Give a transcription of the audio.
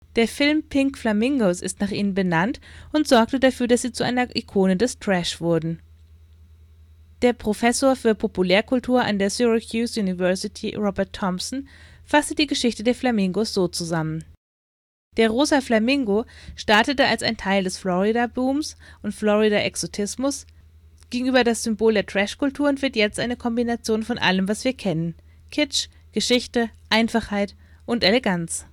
Der Film Pink Flamingos ist nach ihnen benannt und sorgte dafür, dass sie zu einer Ikone des Trashs wurden. Der Professor für Populärkultur an der Syracuse University Robert Thompson fasste die Geschichte der Flamingos zusammen: „ Der rosa Flamingo startete als ein Teil des Florida-Booms und Florida-Exotismus, ging über das Symbol der Trash-Kultur und wird jetzt eine Kombination von allem was wir kennen: Kitsch, Geschichte, Einfachheit und Eleganz